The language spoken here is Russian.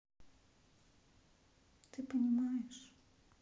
ты понимаешь